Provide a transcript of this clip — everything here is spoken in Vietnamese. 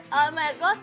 ờ mệt quá